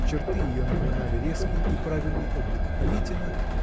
черты ее напоминали резкий и правильный облик Калитина